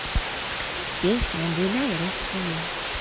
песня гуляй россия